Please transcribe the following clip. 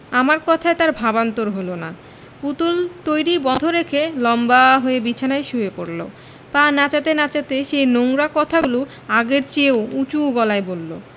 আমার কথায় তার ভাবান্তর হলো না পুতুল তৈরী বন্ধ রেখে লম্বা হয়ে বিছানায় শুয়ে পড়লো পা নাচাতে নাচাতে সেই নোংরা কথাগুলি আগের চেয়েও উচু গলায় বললো